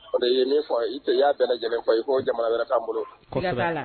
O ye ne fɔ i tɛ y'a bɛn fɔ i ko jamana ka bolo